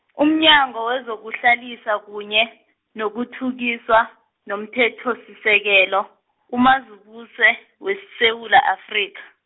umnyango wezokuhlalisa kunye, nokuthukiswa, nomthethosisekelo, uMazibuse, weSewula Afrika.